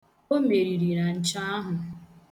O meriri na nchọ ahụ.